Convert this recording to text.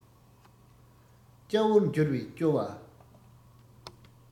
སྐྱ བོར འགྱུར བས སྐྱོ བ